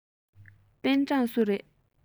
པེན ཀྲང སུ རེད